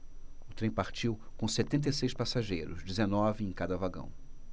o trem partiu com setenta e seis passageiros dezenove em cada vagão